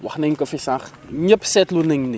wax nañ ko sax ñëpp seetlu nañ ni